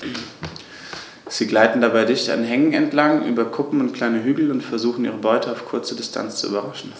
Sie gleiten dabei dicht an Hängen entlang, über Kuppen und kleine Hügel und versuchen ihre Beute auf kurze Distanz zu überraschen.